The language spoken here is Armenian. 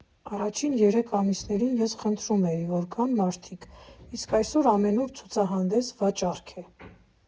Առաջին երեք ամիսներին ես խնդրում էի, որ գան մարդիկ, իսկ այսօր ամենուր ցուցահանդես֊վաճառք է։